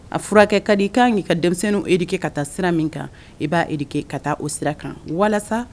A furakɛ ka di ii kan'i ka denmisɛnnin e deke ka taa sira min kan i b'a deke ka taa o sira kan walasa